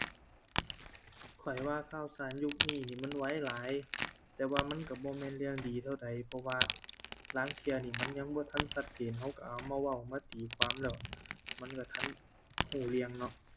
ข้อยว่าข่าวสารยุคนี้นี่มันไวหลาย แต่ว่ามันก็บ่แม่นเรื่องดีเท่าใด เพราะว่าลางเที่ยนี่มันยังบ่ทันชัดเจน ก็ก็เอามาเว้า มาตีความแล้ว มันก็ทันก็เรื่องเนาะ